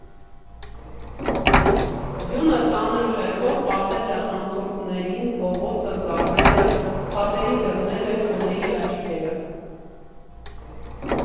Ձյունը ծանր շերտով պատել է անցորդներին, փողոցը, ծառերը, փաբերի դռները, Սյունեի աչքերը…